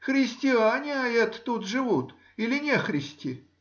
христиане это тут живут или нехристи?